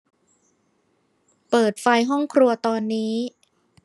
เปิดไฟห้องครัวตอนนี้